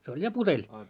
se oli ja puteli